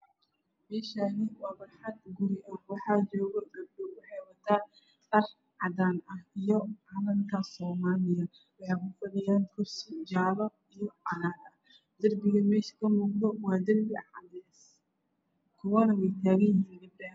Meshani waa barxad guri ah waxa joogo gabdho waxey watan dhar cadan ah io calanka soomalia waxey kufadhiyan kursi jalo io cagar ah dirbiga mesha kamuqdo waa dirbi cades kuwan wey taganyahin